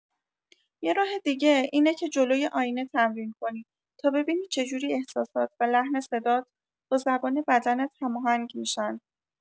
یه راه دیگه اینه که جلوی آینه تمرین کنی تا ببینی چجوری احساسات و لحن صدات با زبان بدنت هماهنگ می‌شن.